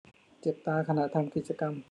เจ็บตาขณะทำกิจกรรม